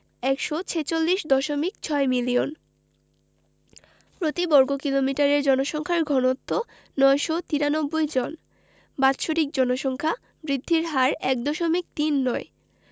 ১৪৬দশমিক ৬ million প্রতি বর্গ কিলোমিটারে জনসংখ্যার ঘনত্ব ৯৯৩ জন বাৎসরিক জনসংখ্যা বৃদ্ধির হার ১দশমিক তিন নয়